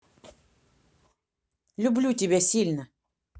люблю тебя сильно